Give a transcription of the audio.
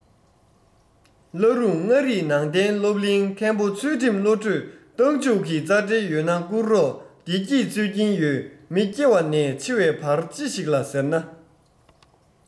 བླ རུང ལྔ རིག ནང བསྟན སློབ གླིང མཁན པོ ཚུལ ཁྲིམས བློ གྲོས རྟགས འཇུག གི རྩ འབྲེལ ཡོད ན བསྐུར རོགས བདེ སྐྱིད འཚོལ ཀྱིན ཡོད མི སྐྱེ བ ནས འཆི བའི བར ཅི ཞིག ལ ཟེར ན